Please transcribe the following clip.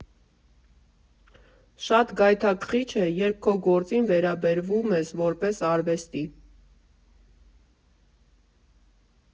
Շատ գայթակղիչ է, երբ քո գործին վերաբերվում ես որպես արվեստի.